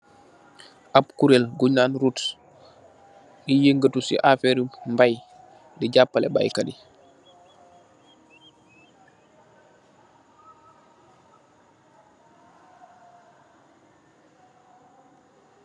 Ab kurel guy naan "roots", di yangú tu ci mbai, di jaapale baykat yi.